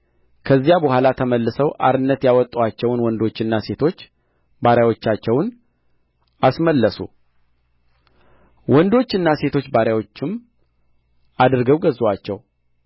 ከዚያ በኋላ ተመልሰው አርነት ያወጡአቸውን ወንዶችና ሴቶች ባሪያዎቻቸውን አስመለሱ ወንዶችና ሴቶች ባሪያዎችም አድርገው ገዙአቸው